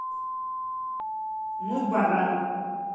ну и баран